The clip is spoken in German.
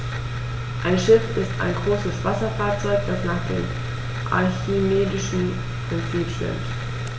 Ein Schiff ist ein größeres Wasserfahrzeug, das nach dem archimedischen Prinzip schwimmt.